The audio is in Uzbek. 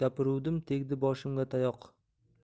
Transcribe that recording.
gapiruvdim tegdi boshimga tayoq